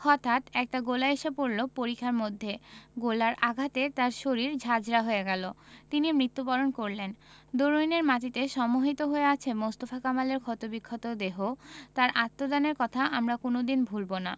হটাঠ একটা গোলা এসে পড়ল পরিখার মধ্যে গোলার আঘাতে তার শরীর ঝাঁঝরা হয়ে গেল তিনি মৃত্যুবরণ করলেন দরুইনের মাটিতে সমাহিত হয়ে আছে মোস্তফা কামালের ক্ষতবিক্ষত দেহ তাঁর আত্মদানের কথা আমরা কোনো দিন ভুলব না